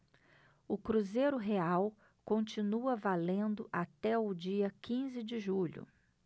o cruzeiro real continua valendo até o dia quinze de julho